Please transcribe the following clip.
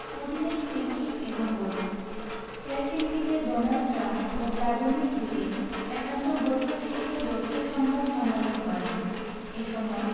পুতিনের free kick এবং গোল হেলসিঙ্কিতে ডোনাল্ড ট্রাম্প ও ভ্লাদিমির পুতিন একান্ত বৈঠক শেষে যৌথ সংবাদ সম্মেলন করেন এ সময়